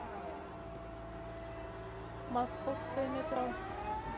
московское метро